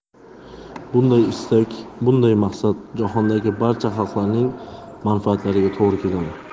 bunday istak bunday maqsad jahondagi barcha xalqlarning manfaatlariga to'g'ri keladi